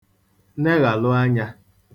neghàlụ anyā